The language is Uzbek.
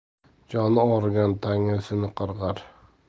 joni og'rigan tangrisini qarg'ar